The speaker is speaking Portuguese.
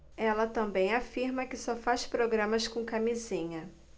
ela também afirma que só faz programas com camisinha